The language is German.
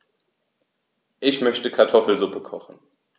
Ich möchte Kartoffelsuppe kochen.